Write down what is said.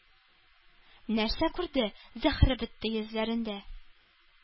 Нәрсә күрде?! — Зәһре бетте йөзләрендә,